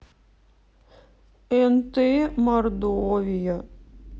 нт мордовия